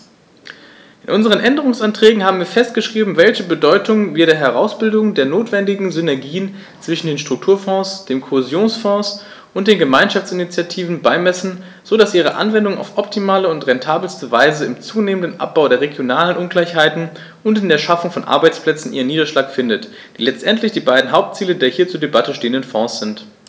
In unseren Änderungsanträgen haben wir festgeschrieben, welche Bedeutung wir der Herausbildung der notwendigen Synergien zwischen den Strukturfonds, dem Kohäsionsfonds und den Gemeinschaftsinitiativen beimessen, so dass ihre Anwendung auf optimale und rentabelste Weise im zunehmenden Abbau der regionalen Ungleichheiten und in der Schaffung von Arbeitsplätzen ihren Niederschlag findet, die letztendlich die beiden Hauptziele der hier zur Debatte stehenden Fonds sind.